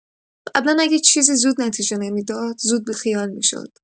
قبلا اگر چیزی زود نتیجه نمی‌داد، زود بی‌خیال می‌شد.